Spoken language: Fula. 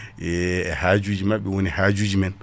haajuji mabɓe woni haajuji men